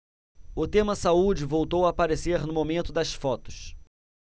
o tema saúde voltou a aparecer no momento das fotos